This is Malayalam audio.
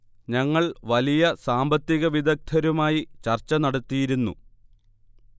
ഞങ്ങൾ വലിയ സാമ്പത്തിക വിദ്ഗധരുമായി ചർച്ച നടത്തിയിരുന്നു